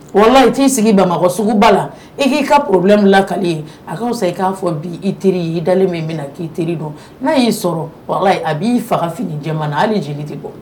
Walahi t'i sigi Bamakɔ suguba la i k'i ka problème lakale a ka fusa i k'a fɔ bi, i ka fɔ i teri ye i dalen bɛ min na k'i teri don n'a y'i sɔrɔ walahi a b'i faga fini jɛman na hali joli tɛ bɔ